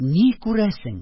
Ни күрәсең?